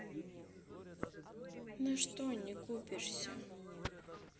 на что не купишься